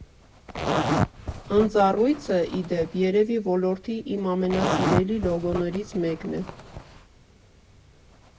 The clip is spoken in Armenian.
Ընձառյուծը, ի դեպ, երևի ոլորտի իմ ամենասիրելի լոգոներից մեկն է։